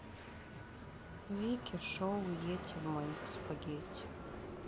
вики шоу йети в моих спагетти